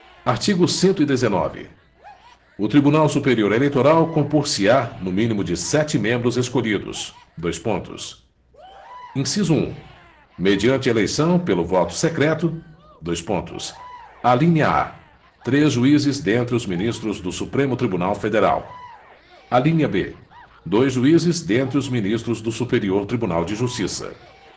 artigo cento e dezenove o tribunal superior eleitoral compor se á no mínimo de sete membros escolhidos dois pontos inciso um mediante eleição pelo voto secreto dois pontos alínea a três juízes dentre os ministros do supremo tribunal federal alínea b dois juízes dentre os ministros do superior tribunal de justiça